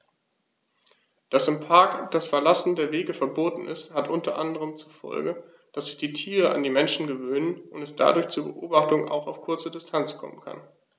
Dass im Park das Verlassen der Wege verboten ist, hat unter anderem zur Folge, dass sich die Tiere an die Menschen gewöhnen und es dadurch zu Beobachtungen auch auf kurze Distanz kommen kann.